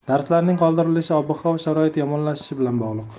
darslarning qoldirilishi ob havo sharoiti yomonlashishi bilan bog'liq